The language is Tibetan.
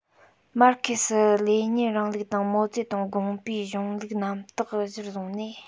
མར ཁེ སི ལེ ཉིན རིང ལུགས དང མའོ ཙེ ཏུང དགོངས པའི གཞུང ལུགས རྣམ དག གཞིར བཟུང ནས